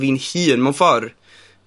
fi'n hun mewn ffor,